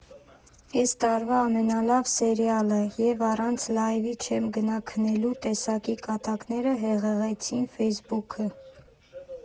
«էս տարվա ամենալավ սերիա՜լը» և «Առանց լայվի չեմ գնա քնելու» տեսակի կատակները հեղեղեցին Ֆեյսբուքը։